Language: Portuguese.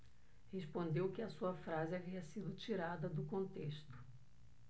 respondeu que a sua frase havia sido tirada do contexto